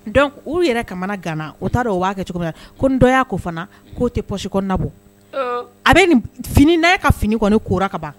Dɔnkuc u yɛrɛ kamana ganana u t'a o b'a kɛ cogo ko n dɔ yya ko fana k'o tɛ pɔsi nabɔ a bɛ fini ne ka fini kɔni kora kaban